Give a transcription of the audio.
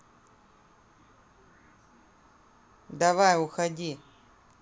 давай уходи